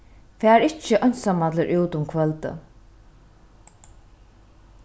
far ikki einsamallur út um kvøldið